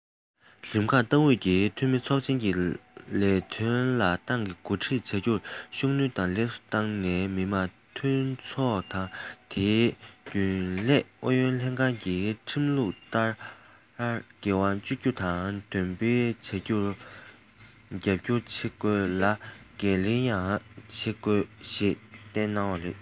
རིམ ཁག ཏང ཨུད ཀྱིས མི དམངས འཐུས ཚོགས ཀྱི ལས དོན ལ ཏང གིས འགོ ཁྲིད བྱ རྒྱུར ཤུགས སྣོན དང ལེགས སུ བཏང ནས མི དམངས འཐུས ཚོགས དང དེའི རྒྱུན ལས ཨུ ཡོན ལྷན ཁང གིས ཁྲིམས ལུགས ལྟར འགན དབང སྤྱོད རྒྱུ དང ལས དོན སྤེལ རྒྱུར རྒྱབ སྐྱོར བྱེད དགོས ལ འགན ལེན ཡང བྱེད དགོས ཞེས བསྟན གནང བ རེད